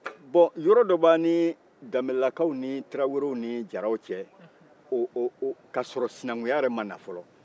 bɔn yɔrɔ dɔ bɛ danbɛlɛlakaw ni tarawelew ni jaraw cɛ kasɔrɔ sinankunya yɛrɛ ma na fɔlɔ